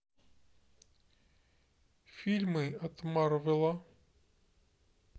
фильмы от марвела